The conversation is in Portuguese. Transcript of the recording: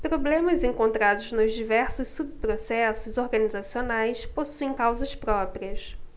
problemas encontrados nos diversos subprocessos organizacionais possuem causas próprias